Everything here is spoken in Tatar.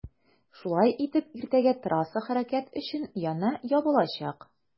Шулай итеп иртәгә трасса хәрәкәт өчен янә ябылачак.